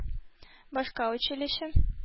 Башка училище